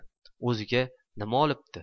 o'ziga nima olibdi